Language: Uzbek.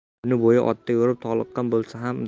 kuni bo'yi otda yurib toliqqan bo'lsa